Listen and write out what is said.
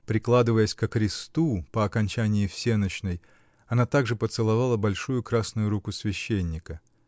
Прикладываясь ко кресту по окончании всенощной, она также поцеловала большую красную руку священника.